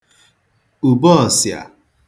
ùbeọ̀sị̀à